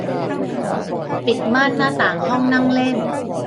ปิดม่านหน้าต่างห้องนั่งเล่น